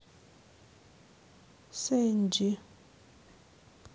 sanji